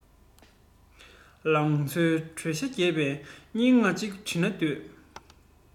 ལང ཚོའི དྲོད ཤ རྒྱས པའི སྙན ངག ཅིག འབྲི ན འདོད